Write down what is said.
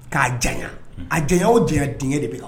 K'a diya a diya o diya denkɛ de bɛ